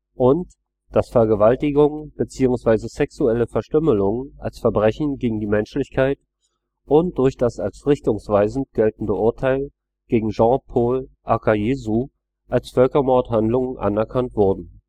und dass Vergewaltigungen beziehungsweise sexuelle Verstümmelungen als Verbrechen gegen die Menschlichkeit und durch das als richtungsweisend geltende Urteil gegen Jean Paul Akayesu als Völkermordhandlungen anerkannt wurden